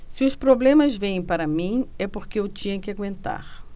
se os problemas vêm para mim é porque eu tinha que aguentar